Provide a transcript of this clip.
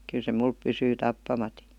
kyllä se minulla pysyy tappamatta